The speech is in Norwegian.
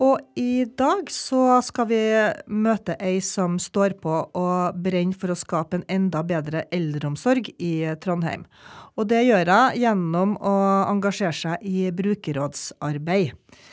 og i dag så skal vi møte ei som står på og brenner for å skape en enda bedre eldreomsorg i Trondheim, og det gjør hun gjennom å engasjere seg i brukerrådsarbeid.